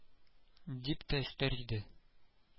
Дип тә өстәр иде